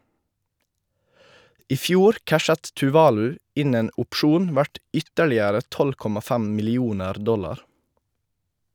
I fjor cashet Tuvalu inn en opsjon verdt ytterligere 12,5 millioner dollar.